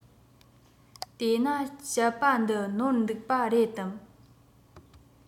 དེ ན བཤད པ འདི ནོར འདུག པ རེད དམ